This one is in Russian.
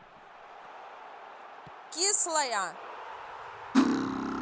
кислая